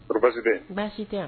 Baasi tɛ baasi tɛ